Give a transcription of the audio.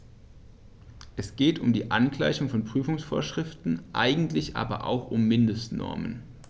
Es geht um die Angleichung der Prüfungsvorschriften, eigentlich aber auch um Mindestnormen.